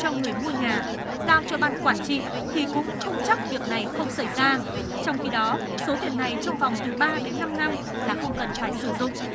cho người mua nhà giao cho ban quản trị thì cũng không chắc việc này không xảy ra trong khi đó số tiền này trong vòng từ ba đến năm năm là không cần phải sử dụng